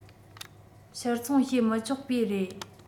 ཕྱིར འཚོང བྱས མི ཆོག པའི རེད